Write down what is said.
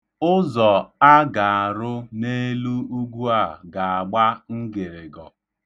Ụzọ a ga-arụ n'elu ugwu a ga-agba ngịrịgọ.